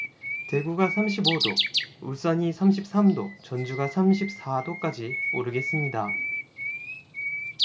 대구가 삼십 오 도 울산이 삼십 삼 도 전주가 삼십 사 도까지 오르겠습니다